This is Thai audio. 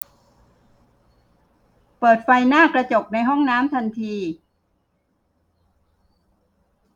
เปิดไฟหน้ากระจกในห้องน้ำทันที